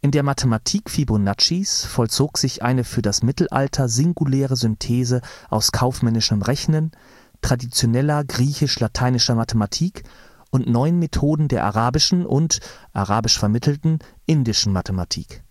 der Mathematik Fibonaccis vollzog sich eine für das Mittelalter singuläre Synthese aus kaufmännischem Rechnen, traditioneller griechisch-lateinischer Mathematik und neuen Methoden der arabischen und (arabisch vermittelten) indischen Mathematik